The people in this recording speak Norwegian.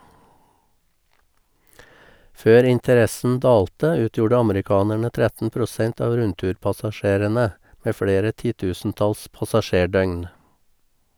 Før interessen dalte, utgjorde amerikanerne 13 prosent av rundturpassasjerene, med flere titusentalls passasjerdøgn.